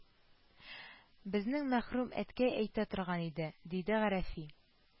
– безнең мәрхүм әткәй әйтә торган иде, – диде гарәфи